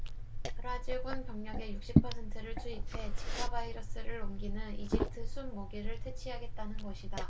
브라질 군 병력의 육십 퍼센트를 투입해 지카 바이러스를 옮기는 이집트 숲 모기를 퇴치하겠다는 것이다